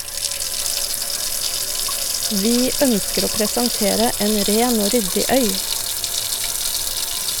- Vi ønsker å presentere en ren og ryddig øy.